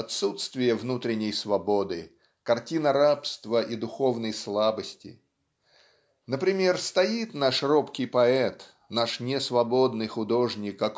отсутствие внутренней свободы, картина рабства и духовной слабости. Например стоит наш робкий поэт наш несвободный художник